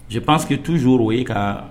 Cɛ pa que tuyo o ye ka